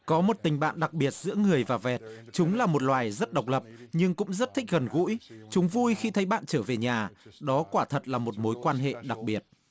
có một tình bạn đặc biệt giữa người và vẹt chúng là một loài rất độc lập nhưng cũng rất thích gần gũi chúng vui khi thấy bạn trở về nhà đó quả thật là một mối quan hệ đặc biệt